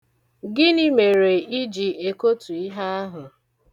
Gịnị mere ị ji ekotu ihe ahụ?